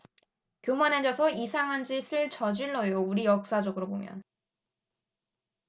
교만해져서 이상한 짓을 저질러요 우리 역사적으로 보면